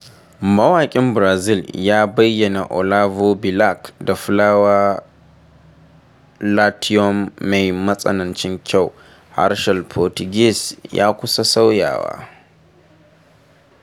Mawaƙin Brazil, ya bayyana Olavo Bilac da ''fulawar Latium mai matsanancin kyau'', harshen Portuguese ya kusa sauyawa.